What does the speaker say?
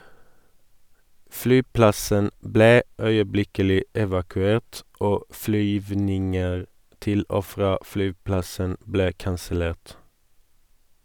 Flyplassen ble øyeblikkelig evakuert, og flyvninger til og fra flyplassen ble kansellert.